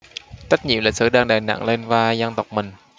trách nhiệm lịch sử đang đè nặng lên vai dân tộc mình